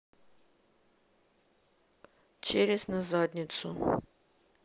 через на задницу